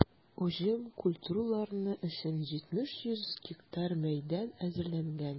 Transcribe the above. Уҗым культуралары өчен 700 га мәйдан әзерләнгән.